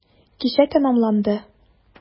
Кичә тәмамланды.